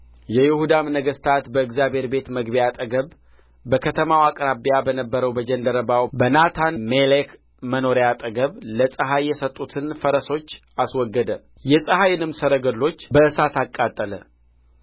የይሁዳም ነገሥታት በእግዚአብሔር ቤት መግቢያ አጠገብ በከተማው አቅራቢያ በነበረው በጃንደረባው በናታንሜሌክ መኖሪያ አጠገብ ለፀሐይ የሰጡትን ፈረሶች አስወገደ የፀሐይንም ሰረገሎች በእሳት አቃጠለ